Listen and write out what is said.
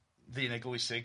ddyn eglwysig.